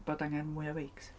Bod angen mwy o feics.